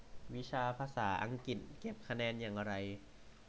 วิชาภาษาอังกฤษเก็บคะแนนอย่างไร